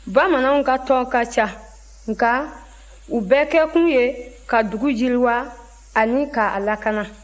bamananw ka tɔnw ka ca nka u bɛɛ kɛkun ye ka dugu yiriwa ani ka a lakana